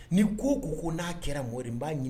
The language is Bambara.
Ni ko ko ko n'a kɛra mrenba ɲini